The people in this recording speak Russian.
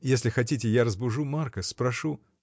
Если хотите, я разбужу Марка, спрошу.